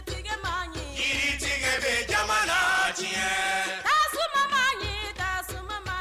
Jigibag jɛgɛ bɛ jama la diɲɛ kaba mag da sumaba